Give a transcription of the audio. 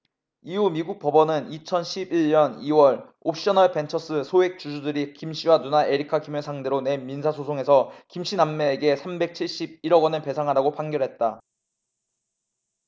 이후 미국 법원은 이천 십 일 년 이 월 옵셔널벤처스 소액주주들이 김씨와 누나 에리카 김을 상대로 낸 민사소송에서 김씨 남매에게 삼백 칠십 일 억원을 배상하라고 판결했다